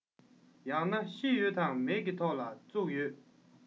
ཡང ན ཤི ཡོད དང མེད ཀྱི ཐོག ལ བཙུགས ཡོད